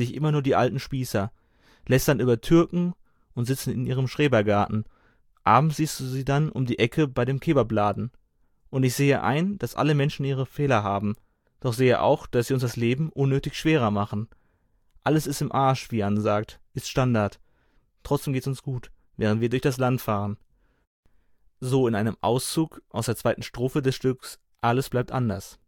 immer nur die alten Spießer, lästern über Türken und sitzen in ihrem Schrebergarten, abends siehst du sie dann um die Ecke bei dem Kebab Laden. Und ich sehe ein, dass alle Menschen ihre Fehler haben, doch sehe auch, dass sie uns das Leben unnötig schwerer machen. Alles ist im Arsch wie Jan sagt, ist Standard. Trotzdem geht’ s uns gut, während wir durch das Land fahren. “– Auszug aus der zweiten Strophe des Stücks Alles bleibt anders